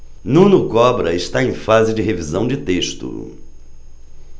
nuno cobra está em fase de revisão do texto